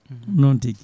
noon tigui